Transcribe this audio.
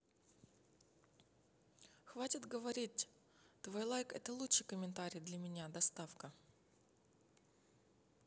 хватит говорить твой like это лучший комментарий для меня доставка